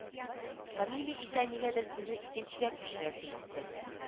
Фамилия исә нигәдер сүзне икенчегә күчерәсе итте